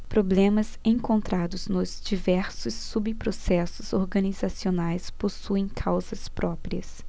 problemas encontrados nos diversos subprocessos organizacionais possuem causas próprias